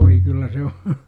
voi kyllä se oli